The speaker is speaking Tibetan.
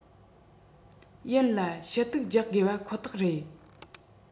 ཡིན ལ ཞུ གཏུག རྒྱག དགོས པ ཁོ ཐག རེད